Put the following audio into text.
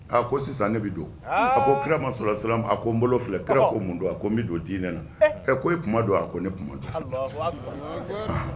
A ko sisan ne bɛ don ko ko kira ma sɔrɔla sira a ko n bolo filɛ kira mun don a ko n bɛ don diinɛ na ko e kuma don a ko ne kuma